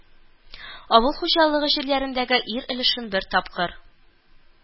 Авыл хуҗалыгы җирләрендәге ир өлешен бер тапкыр